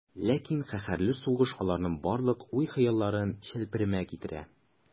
Ләкин каһәрле сугыш аларның барлык уй-хыялларын челпәрәмә китерә.